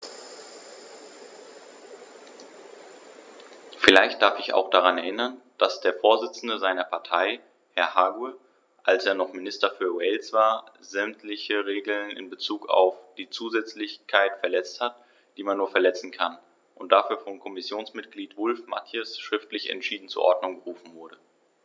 Vielleicht darf ich ihn auch daran erinnern, dass der Vorsitzende seiner Partei, Herr Hague, als er noch Minister für Wales war, sämtliche Regeln in bezug auf die Zusätzlichkeit verletzt hat, die man nur verletzen kann, und dafür von Kommissionsmitglied Wulf-Mathies schriftlich entschieden zur Ordnung gerufen wurde.